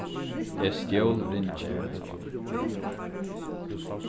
eg stjól ringin